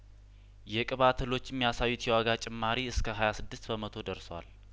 የቅባት እህሎችም ያሳዩት የዋጋ ጭማሪ እስከ ሀያ ስድስት በመቶ ደርሷል